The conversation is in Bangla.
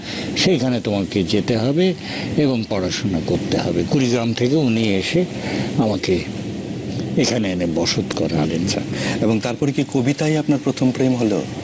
সেখানে তোমাকে যেতে হবে এবং পড়াশোনা করতে হবে কুড়িগ্রাম থেকে উনি এসে আমাকে এখানে এনে বসত করালেন আচ্ছা তারপর কি কবিতায় আপনার প্রথম প্রেম হল